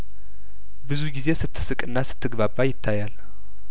ብዙ ጊዜ ስትስቅና ስትግባባ ይታያል